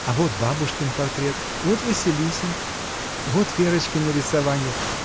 А вот бабушкин портрет, вот Василисин. Вот Верочкино рисованье.